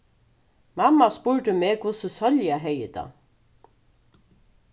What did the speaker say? mamma spurdi meg hvussu sólja hevði tað